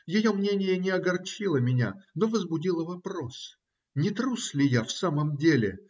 Ее мнение не огорчило меня, но возбудило вопрос: не трус ли я в самом деле?